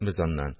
Без аннан: